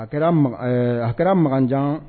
A kɛra ma a kɛra makanjan